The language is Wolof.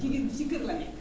jigéen ñi si kër la nekk